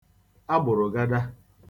agbụ̀rụ̀gada